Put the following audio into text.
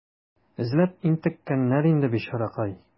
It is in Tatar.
Эзләп интеккәндер инде, бичаракай.